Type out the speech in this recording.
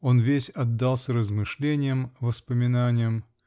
Он весь отдался размышлениям, воспоминаниям.